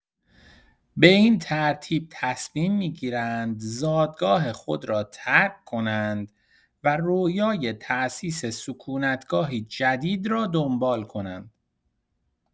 به این ترتیب تصمیم می‌گیرند زادگاه خود را ترک کنند و رویای تاسیس سکونت‌گاهی جدید را دنبال کنند.